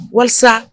Walasa